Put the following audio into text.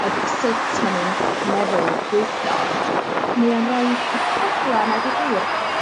o b- sut ma' nw'n meddwl bwydo mae o'n roid y cyfla 'na deu gwir